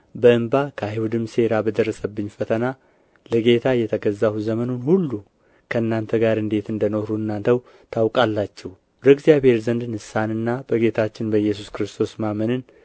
በእንባ ከአይሁድም ሴራ በደረሰብኝ ፈተና ለጌታ እየተገዛሁ ዘመኑን ሁሉ ከእናንተ ጋር እንዴት እንደ ኖርሁ እናንተው ታውቃላችሁ ወደ እግዚአብሔር ዘንድ ንስሐንና በጌታችን በኢየሱስ ክርስቶስ ማመንን